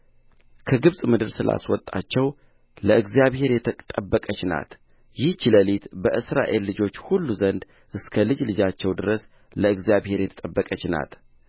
ከግብፅ ምድር ስላወጣቸው ለእግዚአብሔር የተጠበቀች ናት ይህች ሌሊት በእስራኤል ልጆች ሁሉ ዘንድ እስከ ልጅ ልጃቸው ድረስ ለእግዚአብሔር የተጠበቀች ናት